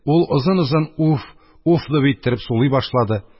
Ул озын-озын «уф, уф!..» иттереп сулый башлады.